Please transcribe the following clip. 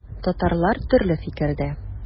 Татарлар төрле фикердә.